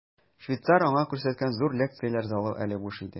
Швейцар аңа күрсәткән зур лекцияләр залы әле буш иде.